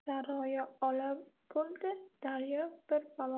daroyi ola bo'ldi daryo bir balo bo'ldi